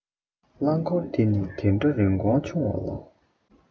རླང མཁོར འདི ནི འདི འདྲ རིན གོང ཆུ བ ལ